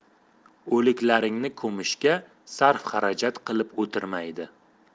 o'liklaringni ko'mishga sarf xarajat qilib o'tirmaydi